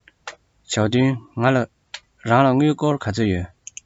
ཞའོ ཏིང རང ལ དངུལ སྒོར ག ཚོད ཡོད